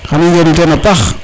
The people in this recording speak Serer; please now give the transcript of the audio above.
xan i ngenu ten a paax